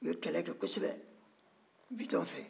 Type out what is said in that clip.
u ye kɛlɛ kɛ kosɛbɛ bitɔn fɛ